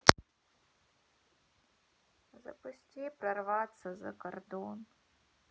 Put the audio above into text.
запусти прорваться за кордон